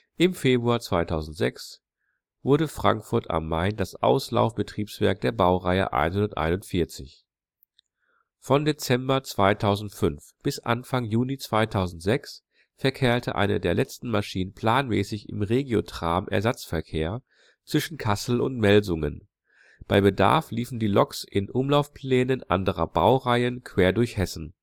im Februar 2006 wurde Frankfurt am Main das Auslauf-Betriebswerk der Baureihe 141. Von Dezember 2005 bis Anfang Juni 2006 verkehrte eine der vier letzten Maschinen planmäßig im RegioTram-Ersatzverkehr zwischen Kassel und Melsungen; bei Bedarf liefen die Loks in Umlaufplänen anderer Baureihen quer durch Hessen